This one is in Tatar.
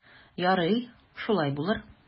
Ярый, шулай булыр.